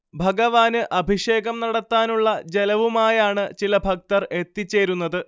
ഭഗവാന് അഭിഷേകം നടത്താനുള്ള ജലവുമായാണ് ചില ഭക്തർ എത്തിച്ചേരുന്നത്